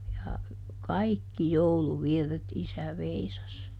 ja kaikki jouluvirret isä veisasi